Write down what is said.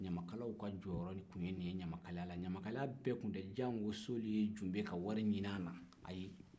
ɲamakalaw ka jɔ yɔrɔ de tun ye nin ye ɲamakaya la ɲamakalaya bɛɛ tun tɛ jango sooliyo jenbe ka wari ɲinin a la